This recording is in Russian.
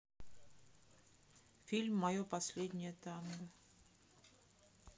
фильм мое последнее танго